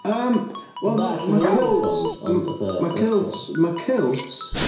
Yym wel ma... Dwi'n dallt efo uniforms ond fatha... Mae kilts yym mae kilts mae kilts...